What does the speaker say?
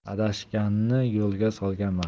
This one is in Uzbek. adashganni yo'lga solgan mard